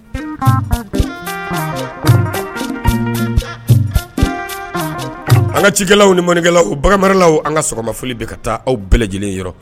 An ka cikɛlaw ni mɔnikɛlaw olaw an ka sɔgɔmafolooli bɛ ka taa aw bɛɛ lajɛlen yɔrɔ